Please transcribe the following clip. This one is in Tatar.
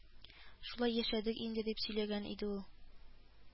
Шулай яшәдек инде , дип сөйләгән иде ул